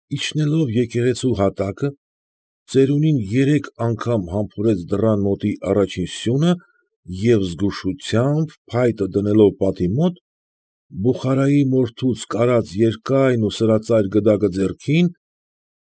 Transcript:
Իջնելով եկեղեցու հատակը, ծերունին երեք անգամ համբուրեց դռան մոտի առաջին սյունը և, զգուշությամբ փայտը դնելով պատի մոտ, բուխարայի մորթուց կարած երկայն ու սրածայր գդակը ձեռքին,